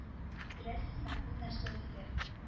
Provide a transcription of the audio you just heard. Беләсезме, ул нәрсә диде